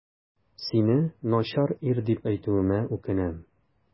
Сине начар ир дип әйтүемә үкенәм.